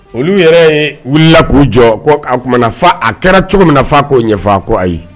Olu yɛrɛ ye wulila k'u jɔ a tumana fa a kɛra cogo min na fɔ k'o ɲɛfɔ ko ayi ye